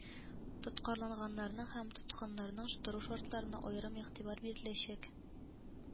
Тоткарланганнарның һәм тоткыннарның тору шартларына аерым игътибар биреләчәк